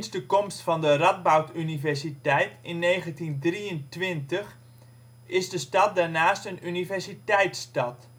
de komst van de Radboud Universiteit in 1923 is de stad daarnaast een universiteitsstad